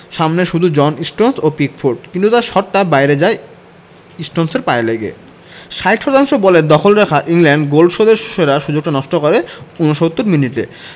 সামনে শুধু John Stones ও পিকফোর্ড কিন্তু তাঁর শটটা বাইরে যায় স্টোনসের পায়ে লেগে ৬০ শতাংশ বলের দখল রাখা ইংল্যান্ড গোল শোধের সেরা সুযোগটা নষ্ট করে ৬৯ মিনিটে